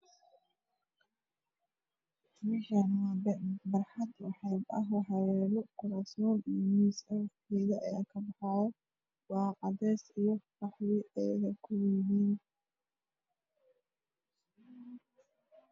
Meshani waa barxad cadn waxaa yalo kuraasman iyo miis geedo ayaa ka baxaayo waa cadees iyo qaxwi eyaga